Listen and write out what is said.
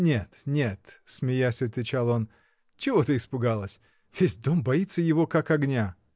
— Нет, нет, — смеясь, отвечал он, — чего ты испугалась? Весь дом боится его как огня.